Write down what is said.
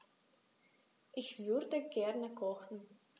Ich würde gerne kochen.